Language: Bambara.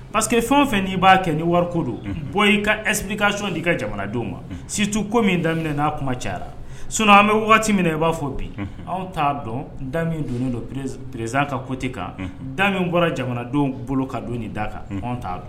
Pa queseke que fɛn o fɛn n'i b'a kɛ ni wari ko don bɔ i ka esp kason'i ka jamanadenw ma situ ko min daminɛ n'a kuma cayara sun an bɛ waati min i b'a fɔ bi anw t'a dɔn da donnen donereerez kan kote kan da bɔra jamanadenw bolo ka don nin da kan anw t'a dɔn